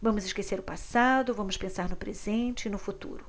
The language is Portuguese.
vamos esquecer o passado vamos pensar no presente e no futuro